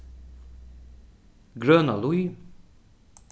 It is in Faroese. grønalíð